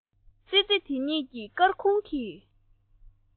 ཙི ཙི དེ གཉིས ཀྱིས སྐར ཁུང གི